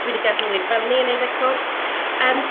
dwi 'di cael rhywun fel 'ny yn gwneud y cwrs yym